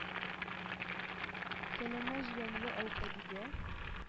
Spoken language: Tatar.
Сәләмә җиләнле Әүхәдигә